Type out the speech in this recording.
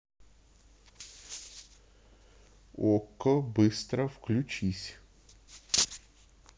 окко быстро включись